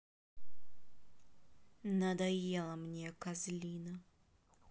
надоела мне козлина